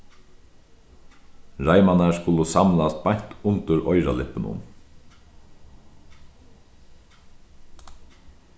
reimarnar skulu samlast beint undir oyralippunum